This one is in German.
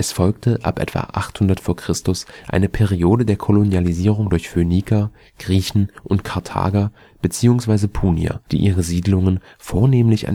folgte ab etwa 800 v. Chr. eine Periode der Kolonialisierung durch Phöniker, Griechen und Karthager beziehungsweise Punier, die ihre Siedlungen vornehmlich